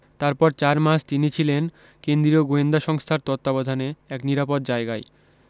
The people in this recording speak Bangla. তারপর চার মাস তিনি ছিলেন কেন্দ্রীয় গোয়েন্দা সংস্থার তত্বাবধানে এক নিরাপদ জায়গায়